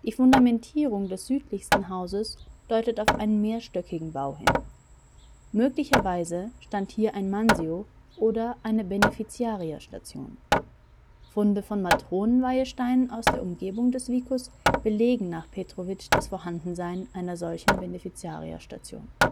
Fundamentierung des südlichsten Hauses deutet auf einen mehrstöckigen Bau hin. Möglicherweise stand hier ein mansio oder eine Benefiziarier - Station. Funde von Matronenweihesteine aus der Umgebung des vicus belegen nach Petrikowitz das Vorhandensein einer solchen Benefiziarier-Station